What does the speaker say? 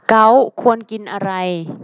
เก๊าท์ควรกินอะไร